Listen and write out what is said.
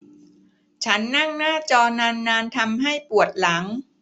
ฉันนั่งหน้าจอนานนานทำให้ปวดหลัง